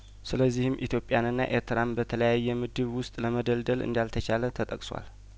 ስለዚህም ኢትዮጵያንና ኤትራን በተለያ የምድብ ውስጥ ለመደልደል እንዳልተቻለ ተጠቅሷል